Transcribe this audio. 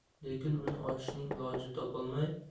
lekin uni ochishning ilojini topolmay